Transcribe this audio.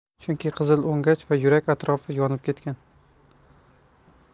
chunki qizil o'ngach va yurak atrofi yonib ketgan